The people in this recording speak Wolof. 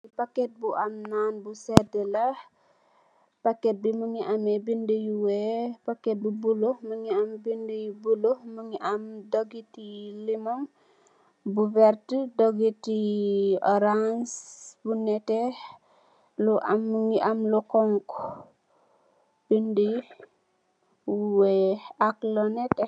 Packet bu am nan bu sedue la, packet bii mungy ameh bindu yu wekh, packet bu bleu, mungy am bindu yu bleu, mungy am dogiti lemon bu vertue, dogiiiti ohrance bu nehteh, lu am mungy am lu honhu, bindu bu wekh ak lu nehteh.